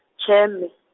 tjhe mme.